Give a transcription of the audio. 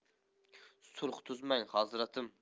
sulh tuzmang hazratim